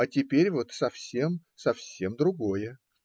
а теперь вот - совсем, совсем другое.